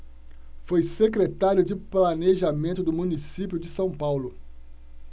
foi secretário de planejamento do município de são paulo